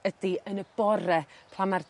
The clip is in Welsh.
ydi yn y bore pan ma'r